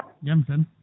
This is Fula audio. jaam tan